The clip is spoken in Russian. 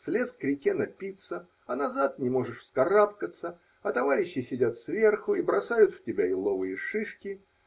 Слез к реке напиться, а назад на можешь вскарабкаться, а товарищи сидят сверху и бросают в тебя еловые шишки.